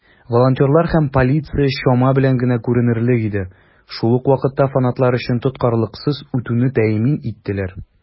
Волонтерлар һәм полиция чама белән генә күренерлек иде, шул ук вакытта фанатлар өчен тоткарлыксыз үтүне тәэмин иттеләр.